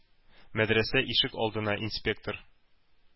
Мәдрәсә ишек алдында инспектор